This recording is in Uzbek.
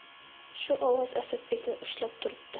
shu ovoz asadbekni ushlab turibdi